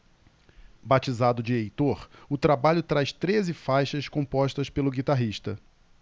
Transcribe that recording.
batizado de heitor o trabalho traz treze faixas compostas pelo guitarrista